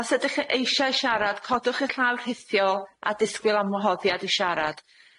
Os ydych eisiau siarad codwch y llaw rhithio a disgwyl am wahoddiad i siarad.